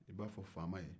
i b'a fɔ faama ye